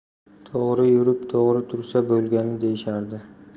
to'g'ri yurib to'g'ri tursa bo'lgani deyishardi